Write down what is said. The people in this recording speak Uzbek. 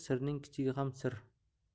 sirning kichigi ham sir